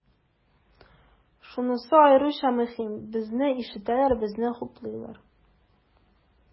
Шунысы аеруча мөһим, безне ишетәләр, безне хуплыйлар.